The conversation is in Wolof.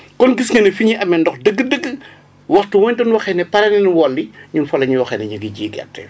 kon gis nga ne fi ñuy amee ndox dëgg-dëgg waxtu wa ñu doon waxee ne pare nañu wolli ñun fa la ñuy waxee ne ñu ngi ji gerte